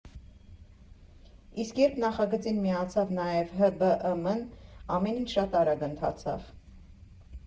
Իսկ երբ նախագծին միացավ նաև ՀԲԸՄ֊ն, ամեն ինչ շատ արագ ընթացավ»։